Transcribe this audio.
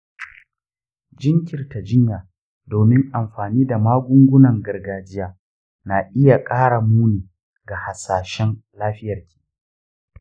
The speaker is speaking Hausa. jinkirta jinya domin amfani da magungunan gargajiya na iya kara muni ga hasashen lafiyarki.